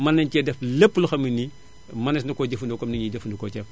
mën nañu cee def lépp loo xam ne ni mënees na koo jafandikoo comme ni ñuy jafandikoo ceeb